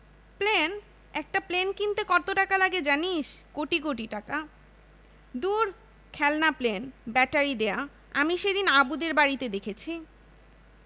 plane একটা plane কিনতে কত টাকা লাগে জানিস কোটি কোটি টাকা দূর খেলনার প্লেন ব্যাটারি দেয়া আমি সেদিন আবুদের বাড়িতে দেখেছি